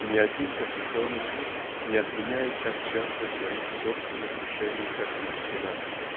ни один кассационный суд не отменяет так часто своих собственных решений кик наш сенат.